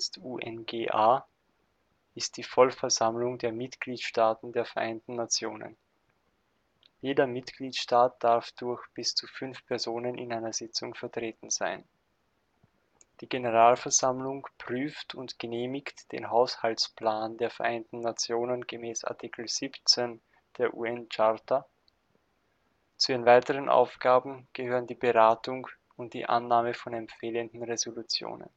UNGA) ist die Vollversammlung der Mitgliedstaaten der Vereinten Nationen. Jeder Mitgliedstaat darf durch bis zu fünf Personen in einer Sitzung vertreten sein. Die Generalversammlung prüft und genehmigt den Haushaltsplan der Vereinten Nationen (Art. 17 I UN-Charta). Zu ihren weiteren Aufgaben gehört die Beratung und die Annahme von empfehlenden Resolutionen